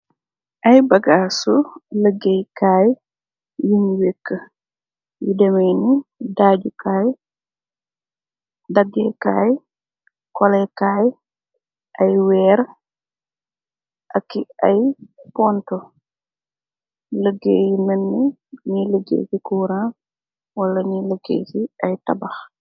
Ayy bagaasu lëggéey kaay yungh wehkue, yi demeh ni daaju kaay, dahgeh kaay, koleh kaay, ayy wehrre aki ayy pohntu, lëggéey melni njuy liggéey chi kurann wala njuy lëggéey ci ayy tabakh.